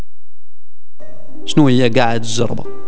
شويه قاعد زربه